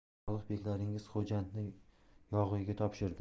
sodiq beklaringiz xo'jandni yog'iyga topshirdi